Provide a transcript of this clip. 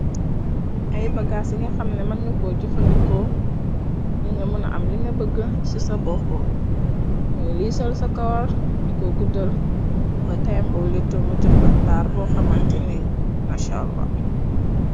Ay bagaas yi nga xamne mën nga ko jofandikoo, ngir nga mëna am li nga bëgg ci sa boppu, muy liisal sa kawar diko guddal, ba tayim bo leetu mu joxla tar bo xamantini masala.